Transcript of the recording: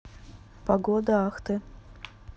погода ахты